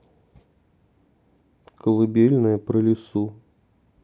колыбельная про лису